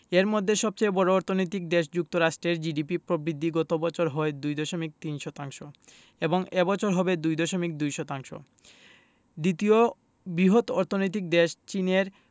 এর মধ্যে সবচেয়ে বড় অর্থনৈতিক দেশ যুক্তরাষ্ট্রের জিডিপি প্রবৃদ্ধি গত বছর হয় ২.৩ শতাংশ এবং এ বছর হবে ২.২ শতাংশ দ্বিতীয় বৃহৎ অর্থনৈতিক দেশ চীনের